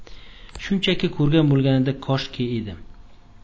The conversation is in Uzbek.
shunchaki ko'rgan bulganida koshki edi